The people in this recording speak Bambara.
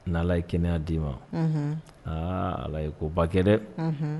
N' ala ye kɛnɛyaya d'i ma aa ala ye ko bakɛ dɛ